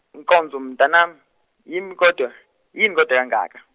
Nkonzo mtanam-, yini kodwa, yin- kodwa kangaka?